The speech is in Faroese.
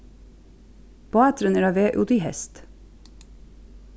báturin er á veg út í hest